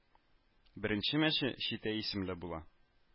Беренче мәче Чита исемле була